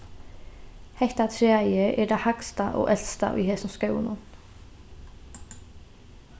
hetta træið er tað hægsta og elsta í hesum skóginum